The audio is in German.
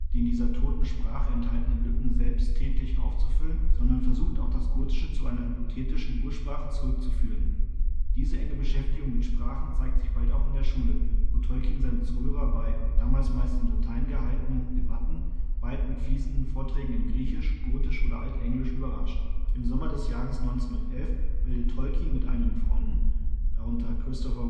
dieser toten Sprache enthaltenen Lücken selbsttätig aufzufüllen, sondern versucht auch das Gotische zu einer hypothetischen Ursprache zurückzuführen. Diese enge Beschäftigung mit Sprachen zeigt sich bald auch in der Schule, wo Tolkien seine Zuhörer bei (damals meist in Latein gehaltenen) Debatten bald mit fließenden Vorträgen in Griechisch, Gotisch oder Altenglisch überrascht. Im Sommer des Jahres 1911 bildet Tolkien mit einigen Freunden, darunter Christopher